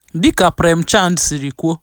Dị ka Prem Chand siri kwuo: